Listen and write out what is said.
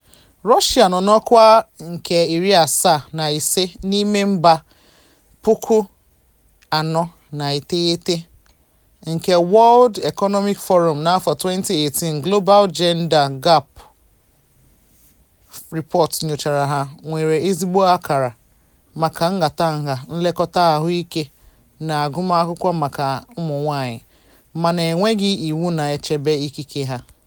Russia nọ n'ọkwá nke 75 n'ime mba 149 nke World Economic Forum 2018 Global Gender Gap Report nyochara, ha nwere ezigbo akara maka nhatanha nlekọta ahụike na agụmakwụkwọ maka ụmụnwaanyị, mana enweghị iwu na-echebe ikike ha.